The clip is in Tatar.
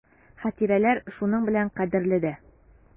Хатирәләр шуның белән кадерле дә.